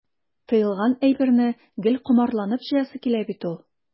Тыелган әйберне гел комарланып җыясы килә бит ул.